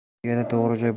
tuyada to'g'ri joy bo'lmas